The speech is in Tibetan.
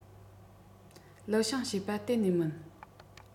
ལི ཤིང བཤད པ གཏན ནས མིན